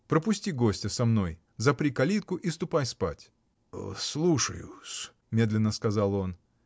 Пропусти гостя за мной, запри калитку и ступай спать. — Слушаю-с! — медленно сказал он.